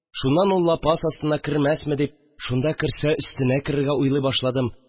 Шуннан ул лапас астына кермәсме дип, шунда керсә, өстенә керергә уйлый башладым